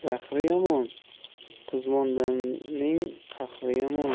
yomon qizmondaning qahri yomon